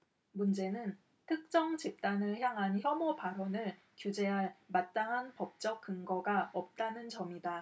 문제는 특정 집단을 향한 혐오발언을 규제할 마땅한 법적 근거가 없다는 점이다